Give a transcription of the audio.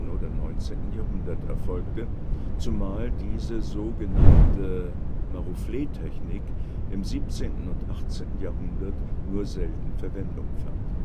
oder 19. Jahrhundert erfolgte, zumal diese so genannte Marouflé-Technik im 17. und 18. Jahrhundert nur selten Verwendung fand